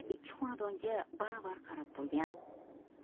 ikki xonadonga baravar qarab turgan